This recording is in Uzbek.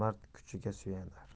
mard kuchiga suyanar